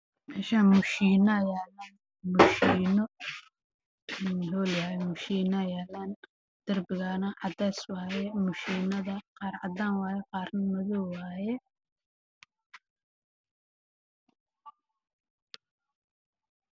Meeshaan waxaa yaalo mashiino kala duwan ah midabbadoodu waxay ka hubeysan yihiin caddaan madow iyo gaduud